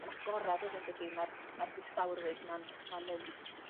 yn agorad wedyn dydi ma'r ma'r distawrwydd 'na'n 'na'n mynd.